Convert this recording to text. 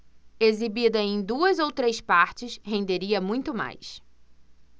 exibida em duas ou três partes renderia muito mais